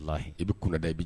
I bɛ